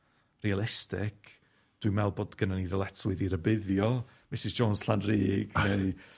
realistic, dwi'n me'wl bod gynnon ni ddyletswydd i rybuddio Mrs Jones Llanrug neu